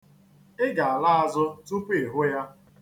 Ị ga-ala azụ tupu ị hụ ya.